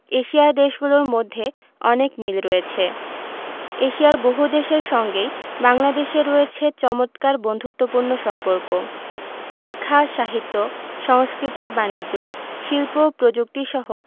এশিয়ার দেশগুলোর মধ্যে অনেক মিল রয়েছে এশিয়ার বহুদেশের সঙ্গেই বাংলাদেশের রয়েছে চমৎকার বন্ধুত্বপূর্ণ সম্পর্ক শিক্ষা সাহিত্য সংস্কৃতি বানিজ্য শিল্প প্রযুক্তিসহ